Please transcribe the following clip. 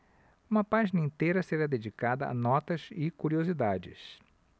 uma página inteira será dedicada a notas e curiosidades